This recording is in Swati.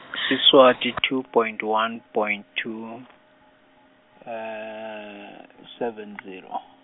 Siswati, two, point, one, point, two, seven , zero.